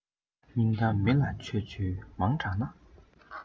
སྙིང གཏམ མི ལ འཆོལ འཆོལ མང དྲགས ན